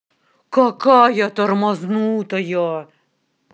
какая тормознутая